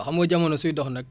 waaw xam nga jamono suy dox nag